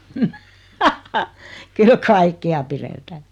kyllä kaikkea pidetään